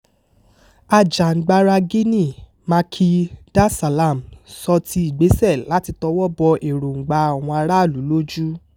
Ajìjàǹgbara Guinea Macky Darsalam sọ ti ìgbésẹ̀ láti tọwọ́ bọ èròńgbà àwọn ará ìlú lójú: